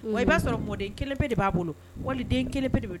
Wa i b'a sɔrɔ mɔden kelen pe de b'a bolo, wali den kelen pe de bɛ